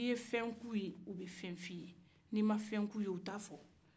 ni ye fen k'u ye u b'a fɔ ni ma fen k'u ye u t'a fɔ